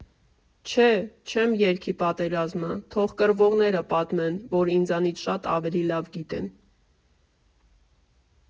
Չէ՛, չեմ երգի պատերազմը, թող կռվողները պատմեն, որ ինձանից շատ ավելի լավ գիտեն։